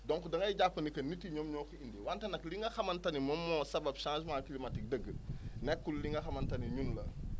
donc da ngay jàpp ni que nit ñi ñoom ko indi wante nag li nga xamante ni moom moo sabab changement climatique dëgg nekkul li nga xamante ni ñun la